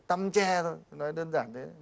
tăm tre thôi nói đơn giản thế